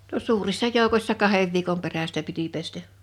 no suurissa joukoissa kahden viikon perästä piti pestä